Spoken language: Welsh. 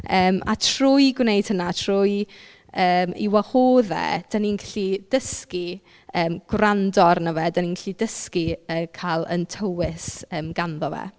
Yym a trwy gwneud hynna trwy yym ei wahodd e dan ni'n gallu dysgu yym gwrando arno fe, dan ni'n gallu dysgu yy cael ein tywys yym ganddo fe.